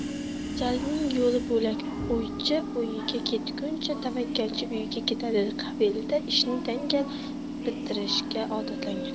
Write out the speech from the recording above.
jalilning yo'li bo'lak o'ychi o'yiga yetguncha tavakkalchi uyiga yetadi qabilida ishni dangal bitirishga odatlangan